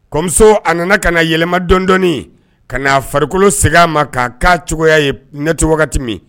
Kɔmuso a nana ka na yɛlɛma dɔndɔ ka'a farikolo seginna ma kaa k'a cogoya ye netu wagati min